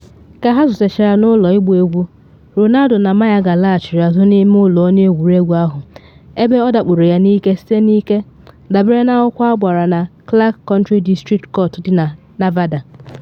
Ka ha zutechara n’ụlọ ịgba egwu, Ronaldo na Mayorga laghachiri azụ n’ime ụlọ onye egwuregwu ahụ, ebe ọ dakporo ya n’ike site na ike, dabere na akwụkwọ agbara na Clark County District Court dị na Nevada.